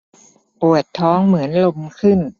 ปวดท้องเหมือนลมขึ้น